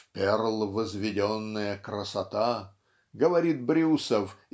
"В перл возведенная красота" -- говорит Брюсов